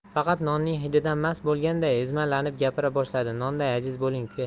faqat nonning hididan mast bo'lganday ezma lanib gapira boshladi nonday aziz bo'ling uka